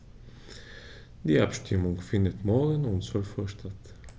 Die Abstimmung findet morgen um 12.00 Uhr statt.